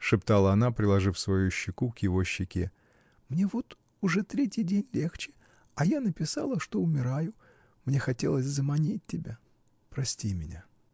— шептала она, приложив свою щеку к его щеке, — мне вот уж третий день легче, а я написала, что умираю. мне хотелось заманить тебя. Прости меня!